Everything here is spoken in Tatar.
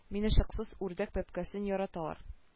Мине шыксыз үрдәк бәбкәсен яраталар